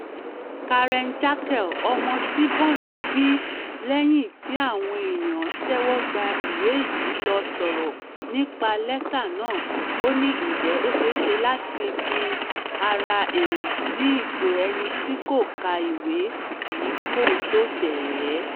Karen Jankel, ọmọ tí Bond bíi lẹ́yìn tí àwọn èèyàn tẹ́wọ́gba ìwé yìí ló sọ̀rọ̀ nípa lẹ́tà náà. Ó ní: “Ǹjẹ́ ó ṣẹéṣe láti fi ara èèyàn sí ipò ẹni tó kọ́ kàwé yìí k’ọ́n tó tẹ̀ ẹ́?